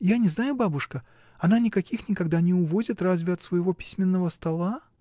— Я не знаю, бабушка: она никаких никогда не увозит, разве от своего письменного стола.